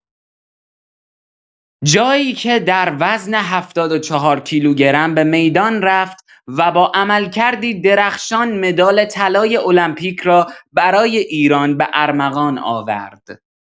جایی که در وزن ۷۴ کیلوگرم به میدان رفت و با عملکردی درخشان مدال طلای المپیک را برای ایران به ارمغان آورد.